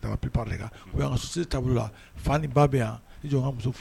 Ka